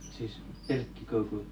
siis pelkkikoukulla